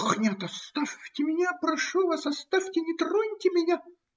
– Ах, нет, оставьте меня, прошу вас, оставьте, не троньте меня!